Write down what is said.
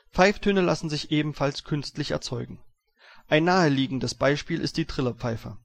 Pfeiftöne lassen sich ebenfalls künstlich erzeugen. Ein naheliegendes Beispiel ist die Trillerpfeife